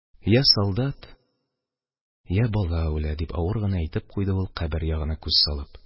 Йә солдат, йә бала үлә, – дип, авыр гына әйтеп куйды ул, кабер ягына күз салып.